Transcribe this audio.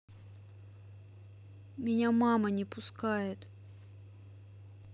меня мама не пускает